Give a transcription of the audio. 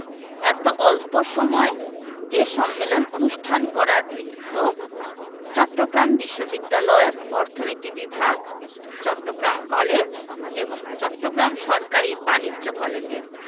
এত অল্প সময় এ সম্মেলন অনুষ্ঠান করার কৃতিত্ব চট্টগ্রাম বিশ্ববিদ্যালয়ের অর্থনীতি বিভাগ চট্টগ্রাম কলেজ এবং চট্টগ্রাম সরকারি বাণিজ্য কলেজের